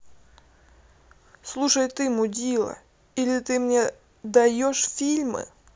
слушай ты мудила или ты мне даешь фильмы